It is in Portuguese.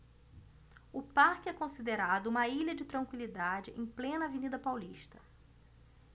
o parque é considerado uma ilha de tranquilidade em plena avenida paulista